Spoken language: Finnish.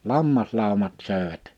lammaslaumat söivät